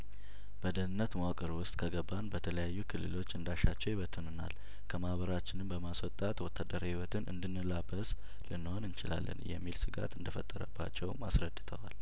በደህንነት መዋቅር ውስጥ ከገባን በተለያዩ ክልሎች እንዳሻቸው ይበትኑናል ከማህበራችንም በማስወጣት ወታደራዊ ህይወትን እንድንላበስ ልንሆን እንችላለን የሚል ስጋት እንደፈጠረባቸውም አስረድተዋል